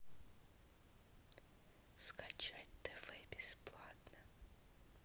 скачать тв бесплатно